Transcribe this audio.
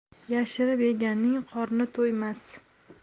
yashirib yeganning qorni to'ymas